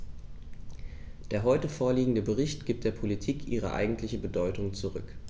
Der heute vorliegende Bericht gibt der Politik ihre eigentliche Bedeutung zurück.